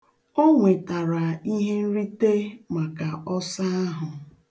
O nwetara ihe nrite maka ọsọ ahụ.